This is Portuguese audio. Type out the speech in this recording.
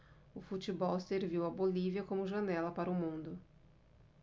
o futebol serviu à bolívia como janela para o mundo